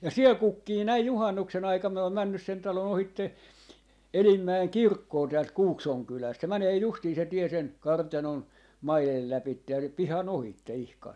ja siellä kukkii näin juhannuksen aikaan minä olen mennyt sen talon ohitse Elimäen kirkkoon täältä Kuukson kylästä se menee justiin se tie sen kartanon maiden lävitse ja sen pihan ohitse ihan